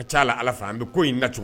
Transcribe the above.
A caala ala faa n bɛ ko in dacogo